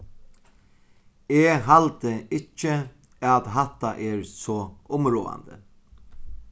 eg haldi ikki at hatta er so umráðandi